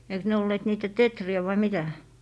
eikös ne olleet niitä teeriä vai mitä